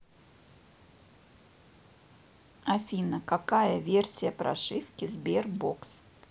афина какая версия прошивки sberbox